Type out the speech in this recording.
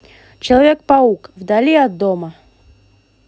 человек паук вдали от дома